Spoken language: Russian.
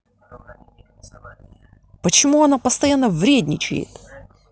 почему она постоянно вредничает